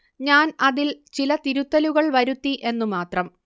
ഞാൻ അതിൽ ചില തിരുത്തലുകൾ വരുത്തി എന്നു മാത്രം